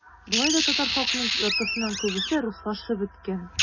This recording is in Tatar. Болай да татар халкының яртысыннан күбесе - руслашып беткән.